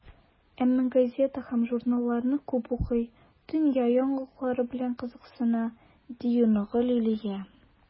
Әмма газета һәм журналларны күп укый, дөнья яңалыклары белән кызыксына, - ди оныгы Лилия.